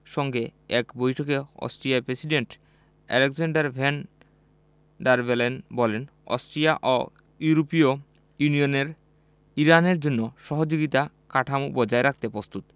সঙ্গে এক বৈঠকে Austria president Alexander van der Bellen বলেন অস্ট্রিয়া ও ইউরোপীয় ইউনিয়নের ইরানের জন্য সহযোগিতা কাঠামো বজায় রাখতে প্রস্তুত